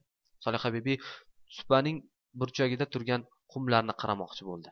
solihabibi supaning burchagida turgan xumlarni qaramoqchi bo'ldi